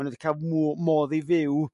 ma' nhw wedi ca'l mo- modd i fyw.